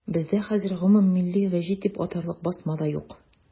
Бездә хәзер гомуммилли гәҗит дип атарлык басма да юк.